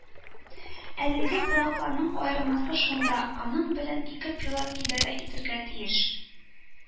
Әлеге боралакның аермасы шунда: аның белән ике пилот идәрә итәргә тиеш